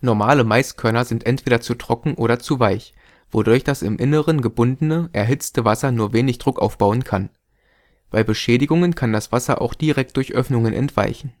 Normale Maiskörner sind entweder zu trocken oder zu weich, wodurch das im Inneren gebundene, erhitzte Wasser nur wenig Druck aufbauen kann. Bei Beschädigungen kann das Wasser auch direkt durch Öffnungen entweichen